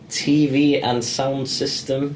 TV and sound system.